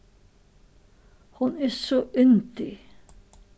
hon er so yndig